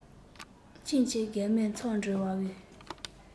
ཁྱིམ གྱི རྒན མོས འཚམས འདྲི བའི